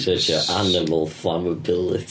Searchio animal flammability.